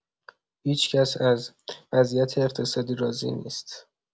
هیچ‌کس از وضعیت اقتصادی راضی نیست.